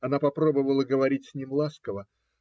Она попробовала говорить с ним ласково